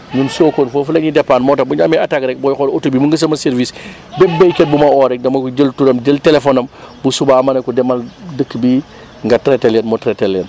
ñun Sokone foofu la ñuy dépendre moo tax bu ñu amee attaque rek booy xool oto bi mu ngi sama service bépp béykat bu ma oo rek dama jël turam jël téléphone am bu subaa ma ne ko demal dëkk bii nga traité leen mu traité leen